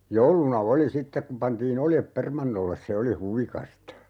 jouluna oli sitten kun pantiin oljet permannolle se oli huvikasta